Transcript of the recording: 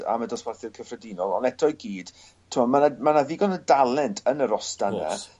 am y dosbarthiad cyffredinol ond eto i gyd t'mod ma' 'na ma' 'na ddigon o dalent yn y rostar 'na. O's.